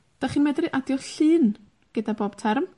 'Dach chi'n medru adio llun gyda bob term.